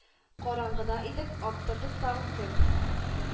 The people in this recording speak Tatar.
Караңгыда идек, аттырды Таң кем